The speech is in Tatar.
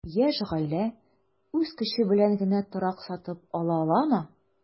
Яшь гаилә үз көче белән генә торак сатып ала аламы?